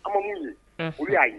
Anmu ye o y'a ye